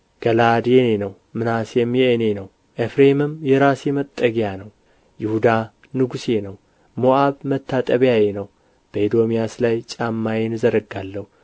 ገለዓድ የእኔ ነው ምናሴም የእኔ ነው ኤፍሬም የራሴ መጠጊያ ነው ይሁዳ ንጉሤ ነው ሞዓብ መታጠቢያዬ ነው በኤዶምያስ ላይ ጫማዬን እዘረጋለሁ